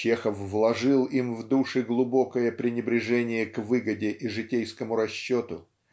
Чехов вложил им в души глубокое пренебрежение к выгоде и житейскому расчету.